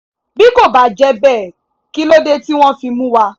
Bí kò bá jẹ́ bẹ́ẹ̀, kílódé tí wọ́n fi mú wa?